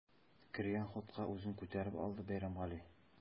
Кергән хутка үзен күтәреп алды Бәйрәмгали.